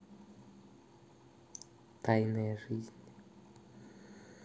тайная жизнь